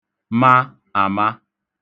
ma ama